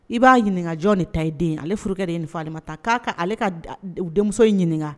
I b'a ɲininka jɔn de ta ye den ale furukɛ de ye nin fɔ ale ma tan k'a ka ale ka denmuso in ɲininka